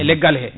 e leggal he